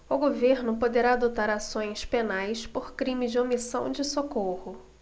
o governo poderá adotar ações penais por crime de omissão de socorro